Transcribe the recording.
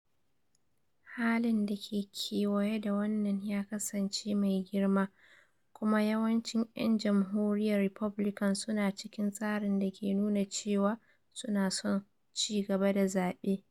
Halin da ke kewaye da wannan ya kasance mai girma, kuma yawancin 'yan Jamhuriyyar Republican su na cikin tsarin dake nuna cewa su na son ci gaba da zabe.